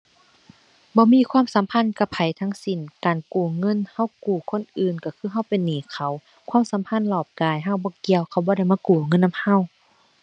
บ่มีความสัมพันธ์กับไผทั้งสิ้น การกู้เงิน เรากู้คนอื่นเราคือเราเป็นหนี้เขา ความสัมพันธ์รอบกายเราบ่เกี่ยว เขาบ่ได้มากู้เงินนำเรา